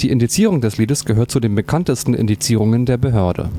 Die Indizierung dieses Liedes gehört zu den bekanntesten Indizierungen der Behörde